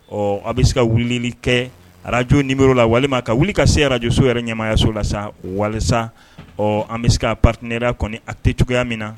Ɔ a bɛ se ka wulili kɛ araj nioro la walima ka wuli ka se araj so yɛrɛ ɲɛyaso la wali ɔ an bɛ se ka patiera kɔni a tɛ cogoya min na